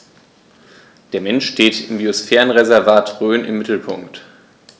Der Mensch steht im Biosphärenreservat Rhön im Mittelpunkt.